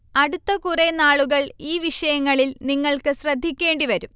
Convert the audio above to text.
അടുത്തകുറെ നാളുകൾ ഈ വിഷയങ്ങളിൽ നിങ്ങൾക്ക് ശ്രദ്ധിക്കേണ്ടി വരും